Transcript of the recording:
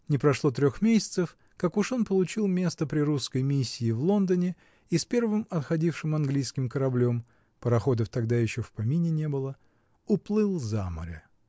Не прошло трех месяцев, как уж он получил место при русской миссии в Лондоне и с первым отходившим английским кораблем (пароходов тогда еще в помине не было) уплыл за море.